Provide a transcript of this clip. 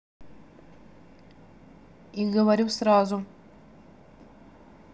и говорю сразу